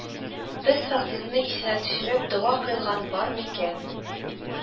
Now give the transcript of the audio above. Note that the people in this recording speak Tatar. Без фәкыйрьне исенә төшереп дога кыйлган бар микән